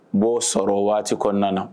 B'o sɔrɔ o waati kɔnɔna na.